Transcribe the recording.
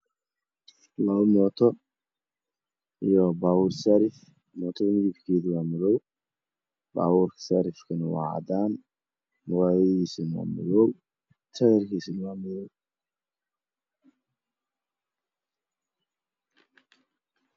Meeshan waxaa taagan mooto iyo gaari mooti waa madow gaariga kalarkiisu waa caddaan laamiga ayay saaran yihiin